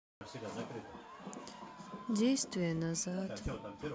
действие назад